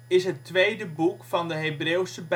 is het tweede boek van de Hebreeuwse